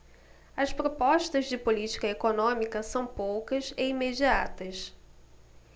as propostas de política econômica são poucas e imediatas